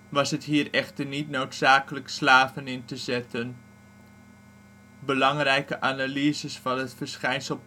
was het hier echter niet noodzakelijk slaven in te zetten. Belangrijke analyses van het verschijnsel